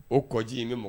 O kɔji in bɛ mɔgɔ